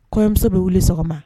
Kɔɲɔmuso bɛ wuli sɔgɔma